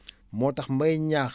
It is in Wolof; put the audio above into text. moo tax may ñaax